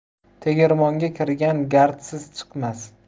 tegirmonga kirgan gardsiz chiqmas